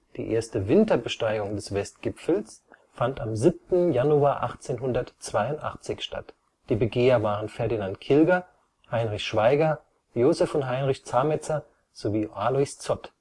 Die erste Winterbesteigung des Westgipfels fand am 7. Januar 1882 statt, die Begeher waren Ferdinand Kilger, Heinrich Schwaiger, Josef und Heinrich Zametzer sowie Alois Zott